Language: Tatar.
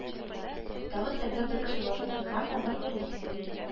Чаттагы өстәлгә бер кеше башын куйган да гыр-гыр йоклый